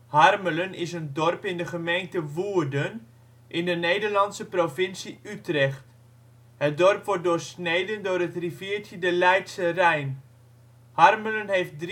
Harmelen is een dorp in de gemeente Woerden in de Nederlandse provincie Utrecht. Het dorp wordt doorsneden door het riviertje de Leidse Rijn. Harmelen heeft